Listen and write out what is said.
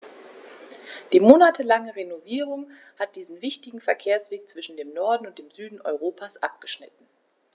Die monatelange Renovierung hat diesen wichtigen Verkehrsweg zwischen dem Norden und dem Süden Europas abgeschnitten.